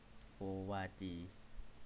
โกวาจี